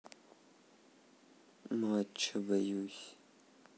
матча боюсь